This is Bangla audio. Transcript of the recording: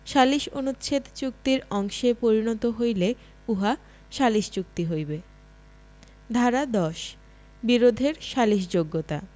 সালিস অনুচ্ছেদ চুক্তির অংশে পরিণত হইলে উহা সালিস চুক্তি হইবে ধারা ১০ বিরোধের সালিসযোগ্যতাঃ